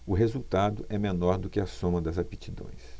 o resultado é menor do que a soma das aptidões